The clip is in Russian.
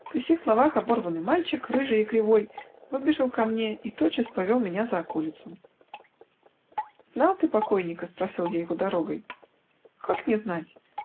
При сих словах оборванный мальчик, рыжий и кривой, выбежал ко мне и тотчас повел меня за околицу. -- Знал ты покойника? -- спросил я его дорогой. -- Как не знать!